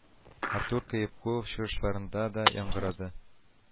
Артур Каепкулов чыгышларында да яңгырады